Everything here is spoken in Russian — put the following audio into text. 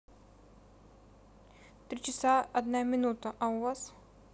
три часа одна минута а у вас